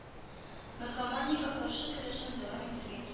“наркоманиягә каршы көрәшне дәвам итәргә кирәк”